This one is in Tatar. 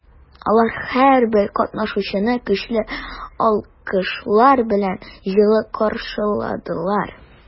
Алар һәрбер катнашучыны көчле алкышлар белән җылы каршыладылар.